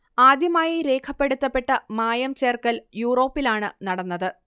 ആദ്യമായി രേഖപ്പെടുത്തപ്പെട്ട മായം ചേർക്കൽ യൂറോപ്പിലാണ് നടന്നത്